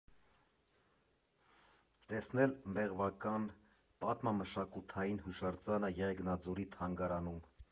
Տեսնել մեղվական պատմամշակութային հուշարձանը Եղեգնաձորի թանգարանում։